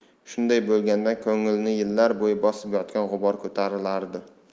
shunday bo'lganda ko'nglini yillar bo'yi bosib yotgan g'ubor ko'tarilardi